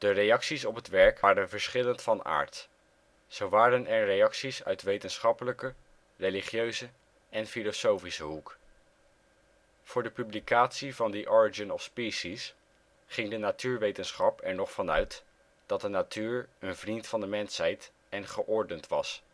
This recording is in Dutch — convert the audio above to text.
reacties op het werk waren verschillend van aard. Zo waren er reacties uit wetenschappelijke, religieuze en filosofische hoek. Voor de publicatie van The Origin of Species, ging de natuurwetenschap er nog vanuit dat de natuur " een vriend van de mensheid " en " geordend " was